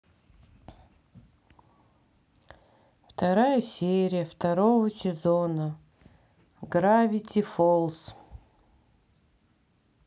вторая серия второго сезона гравити фолз